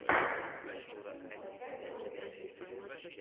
скачать новый ютуб